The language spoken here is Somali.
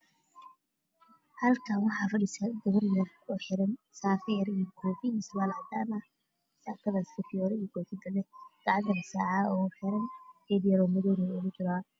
Halkaan waxaa fadhiso gabar yar oo xiran saako iyo koofi iyo surwaal cadaan ah gacantana saacada ugu xiran geed yaro madowna waa ugu jiraa.